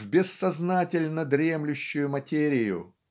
в бессознательно дремлющую материю.